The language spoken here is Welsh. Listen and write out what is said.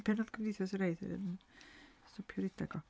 pan oedd Cymdeithas yr Iaith yn stopio redeg o.